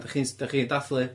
Dach chi'n s- dach chi'n dathlu?